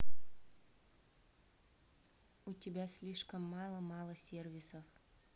у тебя слишком мало мало сервисов